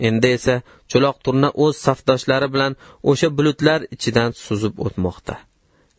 endi esa cho'loq turna o'z safdoshlari bilan o'sha bulutlar ichidan suzib o'tmoqda